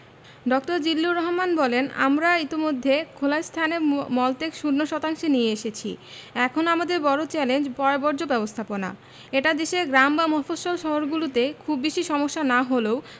ড. বলেন জিল্লুর রহমান বলেন আমরা ইতিমধ্যে খোলা স্থানে মলত্যাগ শূন্য শতাংশে নিয়ে এসেছি এখন আমাদের বড় চ্যালেঞ্জ পয়ঃবর্জ্য ব্যবস্থাপনা এটা দেশের গ্রাম বা মফস্বল শহরগুলোতে খুব বেশি সমস্যা না হলেও